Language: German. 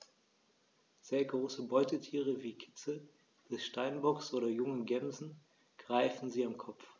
Sehr große Beutetiere wie Kitze des Steinbocks oder junge Gämsen greifen sie am Kopf.